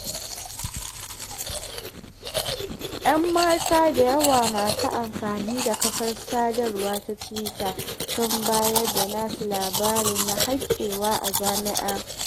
Yan mata da yawa masu amfani da kafar sadarwa ta tuwita sun bayar da nasu labarin na haikewa a jami'a.